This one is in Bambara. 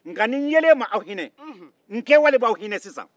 nka ni n yelen ma aw hinɛ n kɛwalen b'aw hinɛ sisan